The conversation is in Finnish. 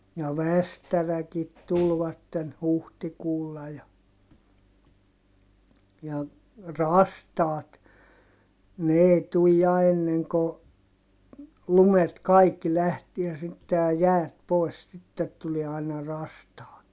ja västäräkit tulivat huhtikuulla ja ja rastaat ne ei tule ja ennen kuin lumet kaikki lähtee sitten ja jäät pois sitten tulee aina rastaat